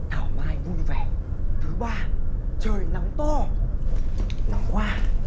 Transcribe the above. thảo mai vui vẻ thứ ba trời nắng to nóng quá